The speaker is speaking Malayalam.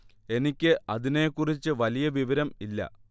എനിക്ക് അതിനെ കുറിച്ച് വലിയ വിവരം ഇല്ല